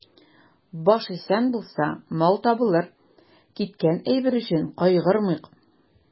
Баш исән булса, мал табылыр, киткән әйбер өчен кайгырмыйк.